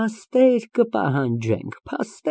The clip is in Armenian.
Փաստեր կպահանջենք։